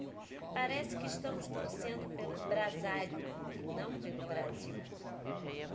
parece que estamos torcendo pelo brasário e não pelo brasil